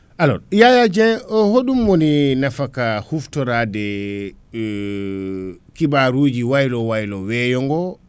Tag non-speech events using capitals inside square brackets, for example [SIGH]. alors Yaya Dieng hoɗum woni nafaka huftorade [HESITATION] kibaruji waylo waylo weeyo ngo